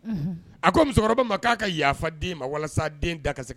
A ko musokɔrɔba ma k'a ka yafa den ma walasa den da